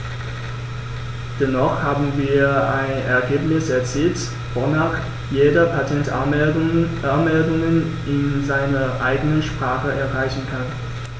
Dennoch haben wir ein Ergebnis erzielt, wonach jeder Patentanmeldungen in seiner eigenen Sprache einreichen kann.